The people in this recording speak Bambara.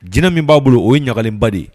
Jinɛ min b'a bolo o ye ɲagalenba de ye